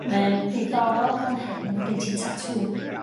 Mae yn diddorol fan hyn ma' gen ti tatŵ,